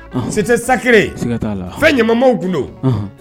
C'était sacré, siga t’a la fɛn ɲama manw tun don, ɔnhɔn.